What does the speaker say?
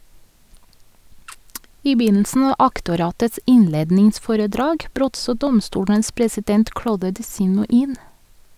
I begynnelsen av aktoratets innledningsforedrag brøt så domstolens president Claude Disimo inn.